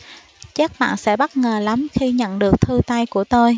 chắc bạn sẽ bất ngờ lắm khi nhận được thư tay của tôi